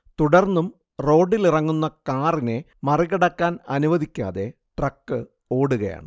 തുടർന്നും റോഡിലിറങ്ങുന്ന കാറിനെ മറികടക്കാൻ അനുവദിക്കാതെ ട്രക്ക് ഓടുകയാണ്